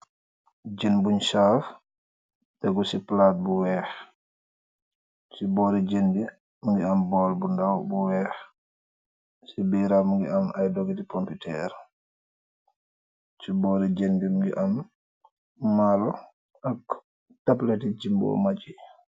Jën buñ chaf tegu ci plaate bu weex, ci boori jenbi mingi am bool bu ndaw bu weex, ci biiram mingi am ay dogiti pompiter ci boori jéndi mingi am malo ak tableti jimboo magi.